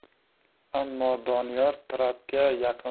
ammo doniyor trapga yaqin